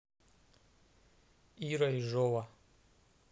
ира ежова